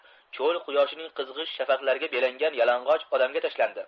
cho'l quyoshining qizg'ish shafaqlariga belangan yalang'och odamga tashlandi